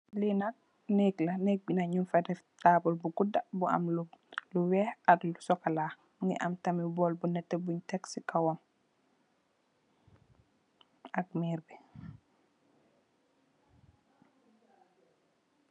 Lii nak negg la, negg bii nak nung fa deff taabul bu gudah bu am lu lu wekh ak lu chocolat, mungy am tamit borl bu nehteh bungh tek cii kawam ak mirr bii.